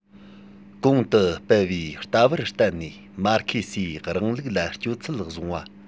གོང དུ སྤེལ བའི ལྟ བར བརྟེན ནས མར ཁེ སིའི རིང ལུགས ལ སྤྱོད ཚུལ བཟུང བ